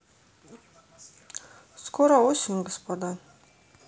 скоро осень господа